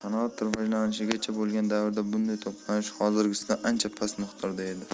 sanoat rivojlanishigacha bo'lgan davrda bunday to'planish hozirgisidan ancha past miqdorda edi